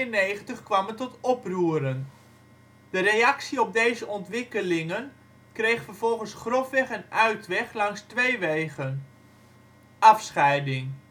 1892 kwam het tot oproeren. De reactie op deze ontwikkelingen kreeg vervolgens grofweg een uitweg langs twee wegen. Afscheiding